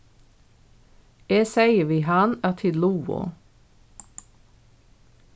eg segði við hann at tit lugu